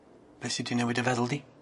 Be' sy 'di newid dy feddwl di?